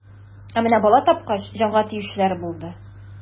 Ә менә бала тапкач, җанга тиючеләр булды.